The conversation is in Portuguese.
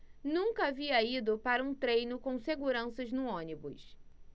nunca havia ido para um treino com seguranças no ônibus